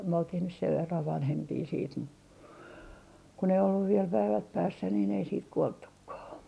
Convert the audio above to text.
me oltiin nyt sen verran vanhempia sitten mutta kun ei ollut vielä päivät päässä niin ei sitten kuoltukaan